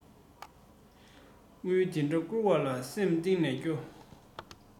དངུལ འདི འདྲ བསྐུར བ ལ སེམས གཏིང ནས སྐྱོ